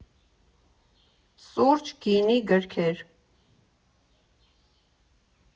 ՍՈՒՐՃ, ԳԻՆԻ, ԳՐՔԵՐ։